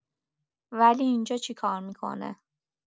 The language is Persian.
ولی اینجا چیکار می‌کنه؟